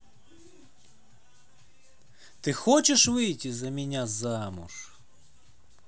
ты хочешь выйти за меня замуж